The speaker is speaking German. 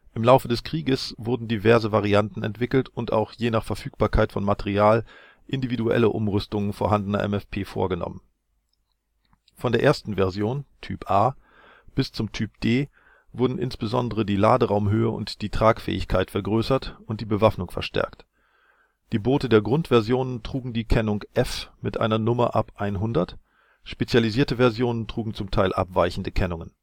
Im Laufe des Krieges wurden diverse Varianten entwickelt und auch je nach Verfügbarkeit von Material individuelle Umrüstungen vorhandener MFP vorgenommen. Von der ersten Version „ Typ A “bis zum „ Typ D “wurden insbesondere die Laderaumhöhe und die Tragfähigkeit vergrößert und die Bewaffnung verstärkt. Die Grundversion trug die Kennung „ F “mit einer Nummer ab 100, spezialisierte Versionen trugen zum Teil abweichende Kennungen